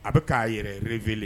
A bɛ k'a yɛrɛ yɛrɛeele